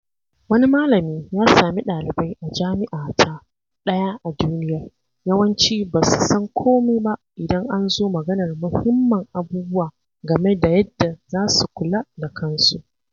Wani malami ya sami ɗalibai a jami’a ta ɗaya a duniyar yawanci ba su san kome ba idan an zo maganar muhimman abubuwa game da yadda za su kula da kansu.